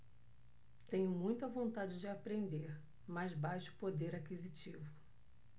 tenho muita vontade de aprender mas baixo poder aquisitivo